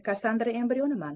kassandra embrionman